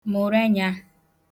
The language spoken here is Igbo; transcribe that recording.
mụ̀rụ enyā